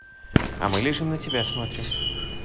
а мы лежим на тебя смотрим